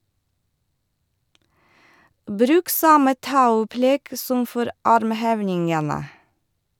Bruk samme tauopplegg som for armhevningene.